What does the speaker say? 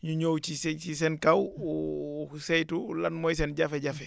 ñu ñëw ci se ci seen kaw saytu lan mooy seen jafe-jafe